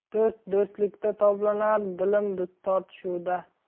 do'st do'stlikda toblanar bilim tortishuvda